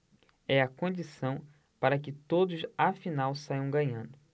é a condição para que todos afinal saiam ganhando